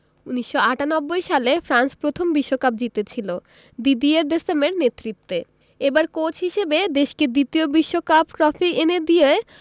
১৯৯৮ সালে ফ্রান্স প্রথম বিশ্বকাপ জিতেছিল দিদিয়ের দেশমের নেতৃত্বে এবার কোচ হিসেবে দেশকে দ্বিতীয় বিশ্বকাপ ট্রফি এনে দিয়ে